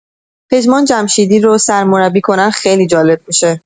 پژمان جمشیدی رو سرمربی کنن خیلی جالب می‌شه.